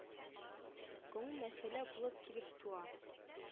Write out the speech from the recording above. Гомум мәсьәлә булып килеп туа